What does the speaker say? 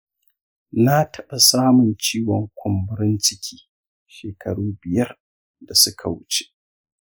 na taɓa samun ciwon kumburin ciki shekaru biyar da suka wuce.